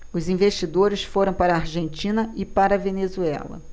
os investidores foram para a argentina e para a venezuela